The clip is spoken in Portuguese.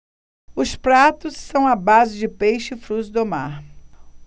os pratos são à base de peixe e frutos do mar